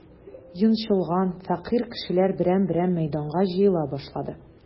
Йончылган, фәкыйрь кешеләр берәм-берәм мәйданга җыела башлады.